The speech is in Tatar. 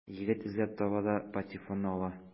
Егет эзләп таба да патефонны ала.